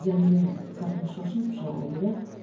jamila xatni shosha pisha oldi da